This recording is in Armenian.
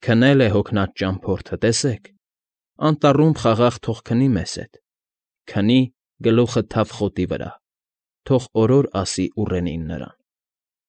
Քնել է հոգնած ճամփորդը, տեսեք, Անտառում խաղաղ թող քնի մեզ հետ, Քնի՝ գլուխը թավ խոտի վրա, Թող օրոր ասի ուռենին նրան։